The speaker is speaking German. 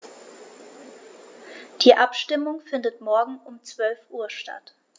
Die Abstimmung findet morgen um 12.00 Uhr statt.